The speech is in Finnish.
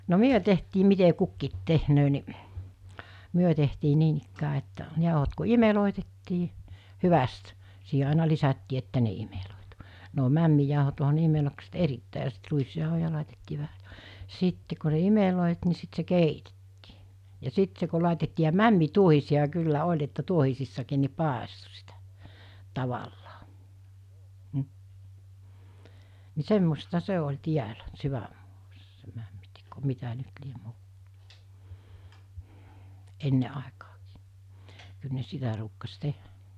no me tehtiin miten kukin tekee niin me tehtiin niinikään että jauhot kun imellettiin hyvästi siihen aina lisättiin että ne imeltyi ne on mämmijauhot onhan ne imellykset erittäin ja sitten ruisjauhoja laitettiin vähän sitten kun se imeltyi niin sitten se keitettiin ja sitten se kun laitettiin ja mämmituohisia kyllä oli että tuohisissakin niin paistoi sitä tavallaan mm niin semmoista se oli täällä sydänmaassa se mämminteko mitä nyt lie muualla ennen aikaankin kyllä ne sitä ruukasi tehdä